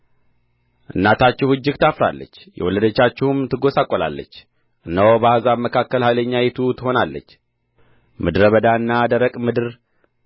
እናታችሁ እጅግ ታፍራለች የወለደቻችሁም ትጐሰቍላለች እነሆ በአሕዛብ መካከል ኋለኛይቱ ትሆናለች ምድረ በዳና ደረቅ ምድር